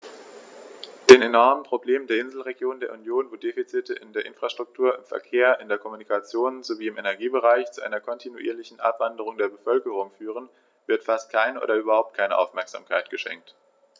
Den enormen Problemen der Inselregionen der Union, wo die Defizite in der Infrastruktur, im Verkehr, in der Kommunikation sowie im Energiebereich zu einer kontinuierlichen Abwanderung der Bevölkerung führen, wird fast keine oder überhaupt keine Aufmerksamkeit geschenkt.